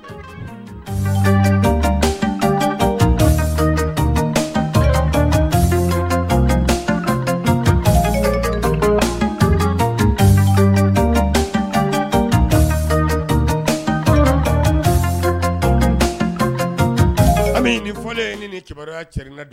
Ni cɛkɔrɔba cɛ la